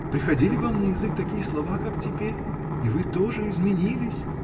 приходили вам на язык такие слова, как теперь? И вы тоже изменились!